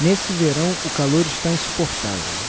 nesse verão o calor está insuportável